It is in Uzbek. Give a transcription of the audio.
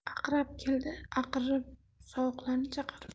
aqrab keldi aqirib sovuqlarni chaqirib